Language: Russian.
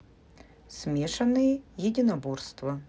смешанные единоборства